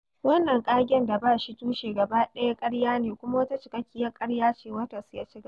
Wannan ƙagen da ba shi tushe gaba ɗaya ƙarya ne kuma wata cikekkiyar ƙarya ce, Waters ya ci gaba.